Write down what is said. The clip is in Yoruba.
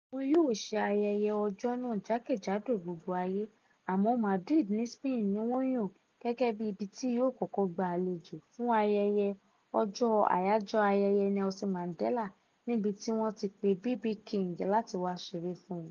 Wọn yóò ṣe ayẹ́yẹ́ ọjọ́ náà jákè-jádò gbogbo ayé àmọ́ Madrid ni Spain ni wọ́n yàn gẹ́gẹ́ bí ibi tí yóò kọ́kọ́ gba àlejò fún ayẹyẹ Nelson Mandela International Day, níbi tí wọ́n ti pé BB King láti wá ṣere fún wọn.